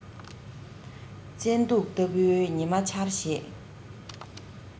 བཙན དུག ལྟ བུའི ཉི མ འཆར ཞེས